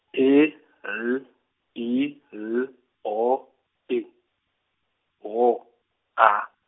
E, L, I, L, O, D, W, A.